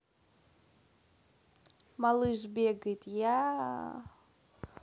малыш бегает яяя